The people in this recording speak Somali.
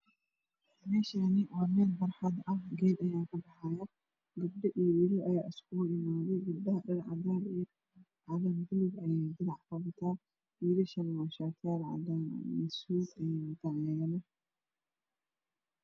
Meshana waa mel barxad ah geed aay kabaxayo gabdho io wll aa iskuku imaday dabdhay dhar cadan ah ayey calan buluug ayey dilac kakor watan wllshan shatiyal cadan ah ayey watan